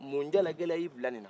mun jalakɛlɛya y'i bila nin na